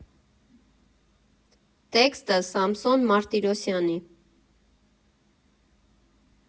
Տեքստը՝ Սամսոն Մարտիրոսյանի։